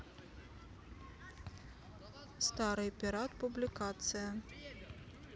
старый пират публикация